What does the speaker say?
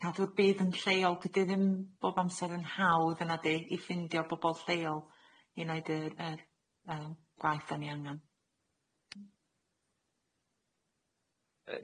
nadw'r bydd yn lleol dydi ddim bob amser yn hawdd yna di i ffindio bobol lleol i neud yr yr yym gwaith o'n i angan.